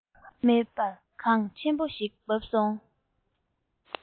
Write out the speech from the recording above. མེད པར གངས ཆེན པོ ཞིག བབས སོང